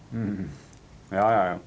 ja ja ja ja.